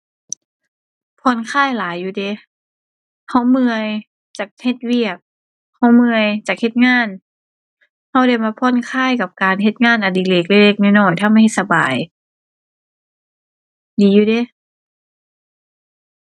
ผ่อนคลายหลายอยู่เดะ เราเมื่อยจากเฮ็ดเวียก เราเมื่อยจากเฮ็ดงาน เราได้มาผ่อนคลายกับการเฮ็ดงานอดิเรกเล็กเล็กน้อยน้อยทำให้สบาย ดีอยู่เดะ